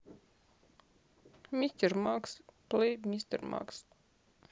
мистер макс плей мистер макс